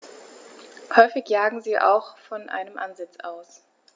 Häufig jagen sie auch von einem Ansitz aus.